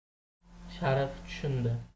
sharif tushundi